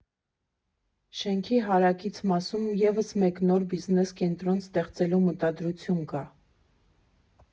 Շենքի հարակից մասում ևս մեկ նոր բիզնես կենտրոն ստեղծելու մտադրություն կա.